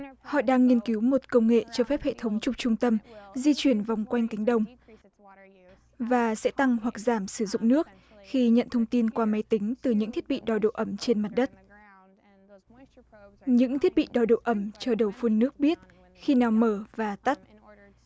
họ đang nghiên cứu một công nghệ cho phép hệ thống trục trung tâm di chuyển vòng quanh cánh đồng và sẽ tăng hoặc giảm sử dụng nước khi nhận thông tin qua máy tính từ những thiết bị đo độ ẩm trên mặt đất những thiết bị đo độ ẩm cho đầu phun nước biết khi nào mở và tắt